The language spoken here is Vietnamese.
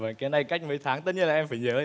vầng cái này cách mấy tháng tất nhiên là em phải nhớ